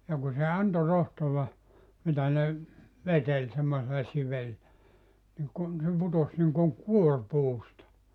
ja kun se antoi rohtoa mitä ne veteli semmoisella - niin kun se putosi niin kuin kuori puusta